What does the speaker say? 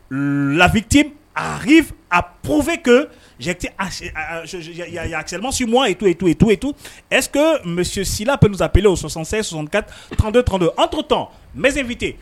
Labiti aki a popfee kate y'amasi mmɔgɔ ye to yen to yen too yen to ɛssila pesaple o sɔsɔ sɔ sontɔn tɔndo antoo tɔn m fite